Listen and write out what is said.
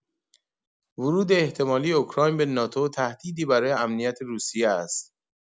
ورود احتمالی اوکراین به ناتو تهدیدی برای امنیت روسیه است.